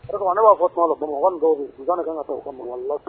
O de ka ma ne ba fɔ tuma dɔw Bamakɔ ka nunun dɔw busan de kan ka taa u ka ma. Walayi bilaye